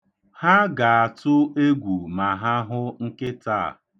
Ha ga-atụ egwu ma ha hụ nkịta a.